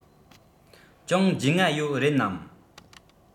ཅུང རྒྱུས མངའ ཡོད རེད ནམ